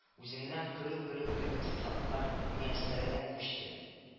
Үзеңнән көлү белү кебек сыйфатлар мияссәрәдән күчте